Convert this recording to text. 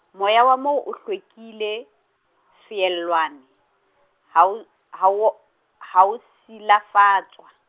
moya wa moo o hlwekile, feelwane, ha o, hawo- ha o silafatswa.